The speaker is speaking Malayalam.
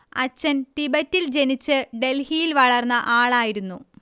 അച്ഛൻ തിബറ്റിൽ ജനിച്ച് ഡൽഹിയിൽ വളർന്ന ആളായിരുന്നു